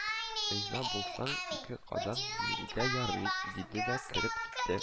Риза булсаң, ике кадак бирергә ярый, – диде дә кереп китте